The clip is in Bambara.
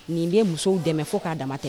Nin bɛ musow dɛmɛ fo k'a damatɛ